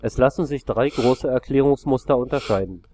Es lassen sich drei große Erklärungsmuster unterscheiden.